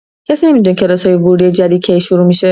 کسی نمی‌دونه کلاس‌های ورودی جدید کی شروع می‌شه؟